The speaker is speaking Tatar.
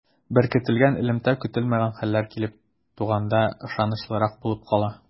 Беркетелгән элемтә көтелмәгән хәлләр килеп туганда ышанычлырак булып кала.